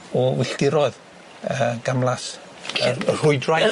o wylltiroedd y gamlas yy y rhwydwaith.